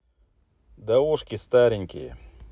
да ушки старенькие